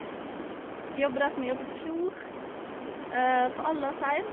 Skal jobbe der som jeg jobbet i fjor, på aldersheim.